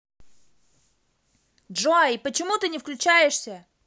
джой почему ты не включаешься